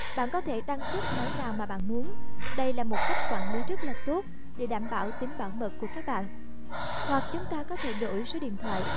bạn có thể đăng xuất máy nào mà bạn muốn đây là cách quản lý rất là tốt để đảm bảo tính bảo mật của các bạn hoặc chúng ta có thể đổi số điện thoại